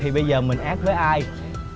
thì bây giờ mình ác với ai